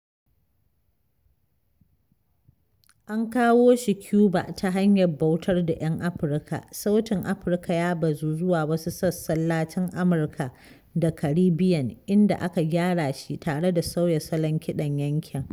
An kawo shi Cuba ta hanyar bautar da 'yan Afirka, sautin Afirka ya bazu zuwa wasu sassan Latin Amurka da Caribbean, inda aka gyara shi tare da sauya salon kiɗan yankin.